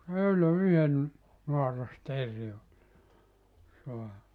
se eilen yhden naarasteeren oli saanut